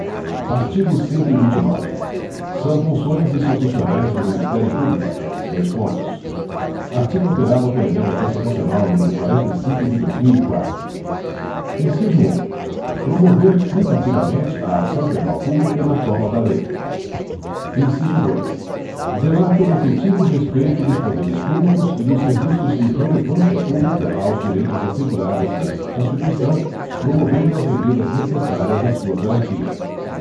artigo cento e vinte e nove são funções institucionais do ministério público dois pontos artigo alterado pela emenda constitucional número quarenta e cinco de dois mil e quatro inciso um promover privativamente a ação penal pública na forma da lei inciso dois zelar pelo efetivo respeito dos poderes públicos e dos serviços de relevância pública aos direitos assegurados nesta constituição promovendo as medidas necessárias a sua garantia